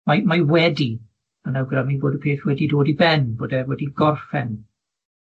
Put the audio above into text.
Mae mae wedi yn awgrymu bod y peth wedi dod i ben, bod e wedi gorffen.